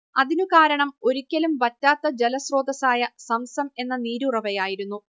അതിനു കാരണം ഒരിക്കലും വറ്റാത്ത ജലസ്രോതസ്സായ സംസം എന്ന നീരുറവയായിരുന്നു